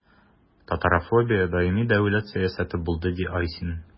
Татарофобия даими дәүләт сәясәте булды, – ди Айсин.